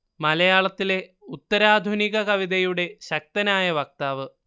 മലയാളത്തിലെ ഉത്തരാധുനിക കവിതയുടെ ശക്തനായ വക്താവ്